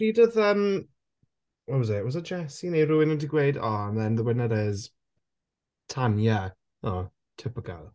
Pryd oedd yym what was it, was it Jessie neu rhywun wedi gweud "Oh and then the winner is Tanya." "Oh, typical."